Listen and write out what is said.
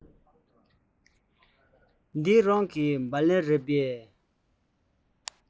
འདི རང གི སྦ ལན རེད པས